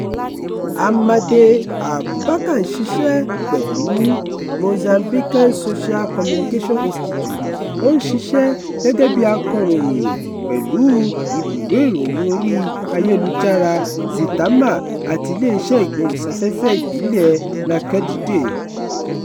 Amade Abubacar ń ṣiṣẹ́ pẹ̀lú Mozambican Social Communication Institute, ó sì ń ṣiṣẹ́ gẹ́gẹ́ bí akọ̀ròyìn pẹ̀lú ibùdó ìròyìn orí ayélujára Zitamar àti iléeṣẹ́ ìgbóhùnsáfẹ́fẹ́ ìbílẹ̀ Nacedje.